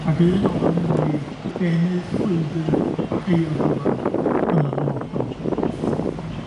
Ag un o'dd yn mynd i bennu llwybyr ei yrfa yn y dyfodol.